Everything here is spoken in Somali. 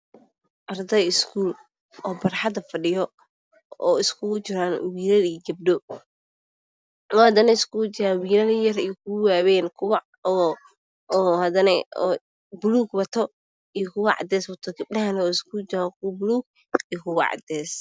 Arday iskuul oo barxada fadhiyo oo iskugu jiraan wiilal iyo gabdho oo haddana isku jiraan wiilal yar-yar iyo kuwo waawey kuwo oo haddana kuwo oo buluug wato iyo kuwo cadeys wato gabdhahana way iskugu jiraan kuwo buluug iyo kuwo cadeys.